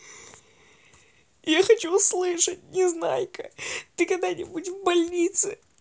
я хочу услышать незнайка ты когда нибудь в больнице